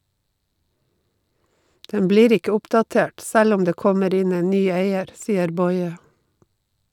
Den blir ikke oppdatert, selv om det kommer inn en ny eier, sier Boye.